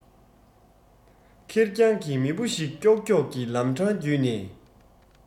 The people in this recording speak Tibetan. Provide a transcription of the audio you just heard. ཁེར རྐྱང གི མི བུ ཞིག ཀྱག ཀྱོག གི ལམ འཕྲང རྒྱུད ནས